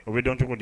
O bɛ dɔn cogo di